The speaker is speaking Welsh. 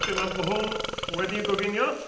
...dwi'n meddwl bo' hwn wedi i'w goginio.